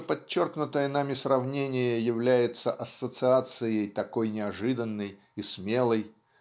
что подчеркнутое нами сравнение является ассоциацией такой неожиданной и смелой